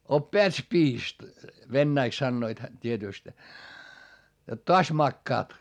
oppeät spiist venäjäksi sanoivat - tietysti jotta taas makaat